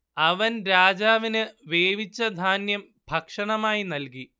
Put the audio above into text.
അവൻ രാജാവിന് വേവിച്ച ധാന്യം ഭക്ഷണമായി നൽകി